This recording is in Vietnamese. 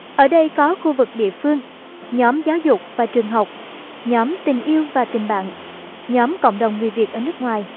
ở đây có khu vực địa phương nhóm giáo dục và trường học nhóm tình yêu và tình bạn nhóm cộng đồng người việt ở nước ngoài